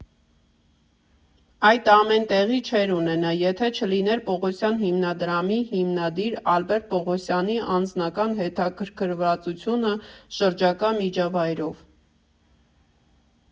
Այդ ամեն տեղի չէր ունենա, եթե չլիներ Պողոսյան հիմնադրամի հիմնադիր Ալբերտ Պողոսյանի անձնական հետաքրքրվածությունը շրջակա միջավայրով։